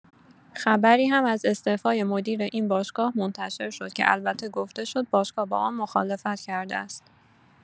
خبری هم از استعفای مدیر این باشگاه منتشر شد که البته گفته شد باشگاه با آن مخالفت کرده است.